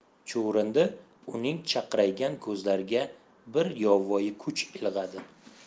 chuvrindi uning chaqchaygan ko'zlarida bir yovvoyi kuch ilg'adi